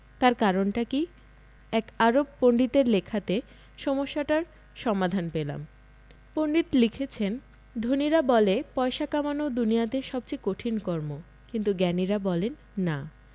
তার কারণটা কি এক আরব পণ্ডিতের লেখাতে সমস্যাটার সমাধান পেলাম পণ্ডিত লিখেছেন ধনীরা বলে পয়সা কামানো দুনিয়াতে সবচেয়ে কঠিন কর্ম কিন্তু জ্ঞানীরা বলেন না